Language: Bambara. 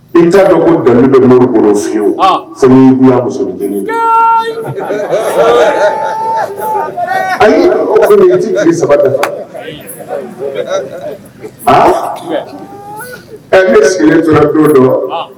N tɛ ko bɛn bɛ kɔnɔ fiyewu muso a i tɛ ci saba a bɛ sigi tora don la